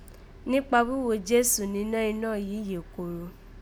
Níkpa wíwo Jésù, nínẹ́ inọ́ yìí yè koro